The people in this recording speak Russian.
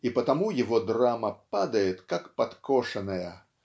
и потому его драма падает как подкошенная